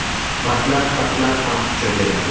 pastlab pastlab ham uchaverdi